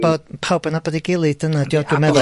...bod pawb yn nabod 'i gilydd, dyna ydi o dwi'n meddwl.